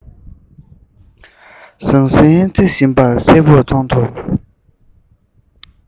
ཟང ཟིང རྩེན བཞིན པ གསལ པོ མཐོང ཐུབ